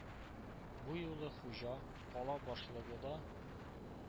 Бу юлы Хуҗа: «Кала башлыгы да